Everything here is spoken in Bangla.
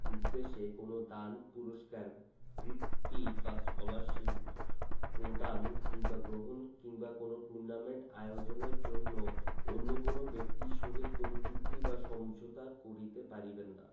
উদ্দেশ্যে কোন দান পুরস্কার বৃত্তি বা স্কলারশীপ প্রদান কিংবা গ্রহণ কিংবা কোন টুর্নামেন্ট আয়োজনের জন্য অন্য কোন ব্যক্তির সহিত কোনো চুক্তি বা সমঝোতা করিতে পারিবেন না